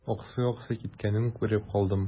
Аксый-аксый киткәнен күреп калдым.